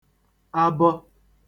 abọ